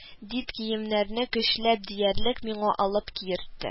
– дип, киемнәрне көчләп диярлек миңа алып киертте